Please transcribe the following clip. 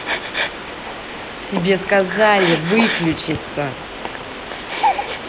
тебе сказали выключиться